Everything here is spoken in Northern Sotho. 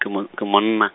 ke mo, ke monna.